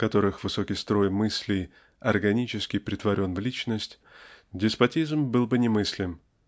в которых высокий строй мыслей органически претворен в личность -- деспотизм был бы немыслим.